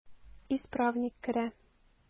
Исправник керә.